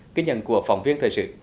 ghi nhận của phóng viên thời sự